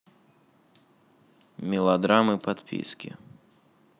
мелодрамы подписки